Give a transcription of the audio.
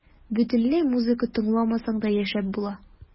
Бөтенләй музыка тыңламасаң да яшәп була.